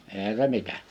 eihän se mitä